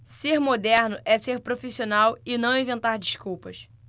ser moderno é ser profissional e não inventar desculpas